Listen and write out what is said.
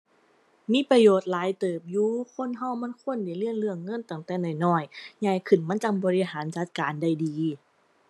มีประโยชน์หลายเติบอยู่ คนเรามันควรได้เรียนเรื่องเงินตั้งแต่น้อยน้อย ใหญ่ขึ้นมันจั่งบริหารจัดการได้ดี